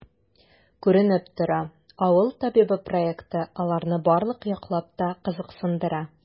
Күренеп тора,“Авыл табибы” проекты аларны барлык яклап та кызыксындыра.